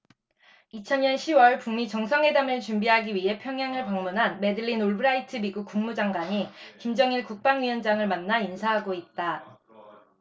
이천 년 시 월 북 미 정상회담을 준비하기 위해 평양을 방문한 매들린 올브라이트 미국 국무장관이 김정일 국방위원장을 만나 인사하고 있다